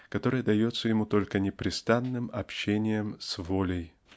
которая дается ему только непрестанным общением с волею.